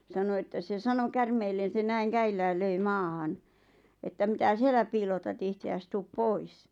sanoi että se sanoi käärmeelle se näin käsillään löi maahan että mitä siellä piilotat itseäsi tule pois